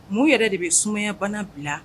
Mun yɛrɛ de bɛ sumayabana bila